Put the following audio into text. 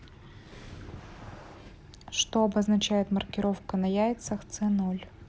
что обозначает маркировка на яйцах со